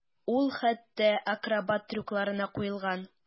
Ул хәтта акробат трюкларына куелган.